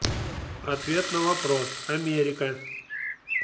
ответ на вопрос америка